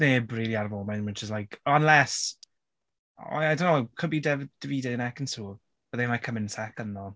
Neb really ar y foment which is like... oh unless... oh I don't know it could be Dav- Davide and Ekin Su but they might come in second, though.